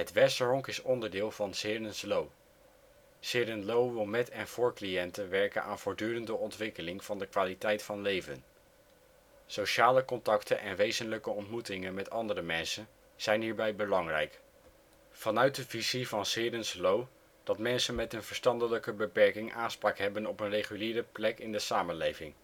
Westerhonk is onderdeel van ' s Heeren Loo. ' s Heeren Loo wil met en voor cliënten werken aan voortdurende ontwikkeling van de kwaliteit van leven. Sociale contacten en wezenlijke ontmoetingen met andere mensen zijn hierbij belangrijk. Vanuit de visie van ' s Heeren Loo dat mensen met verstandelijke beperking aanspraak hebben op een reguliere plek in de samenleving